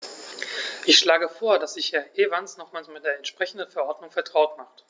Ich schlage vor, dass sich Herr Evans nochmals mit der entsprechenden Verordnung vertraut macht.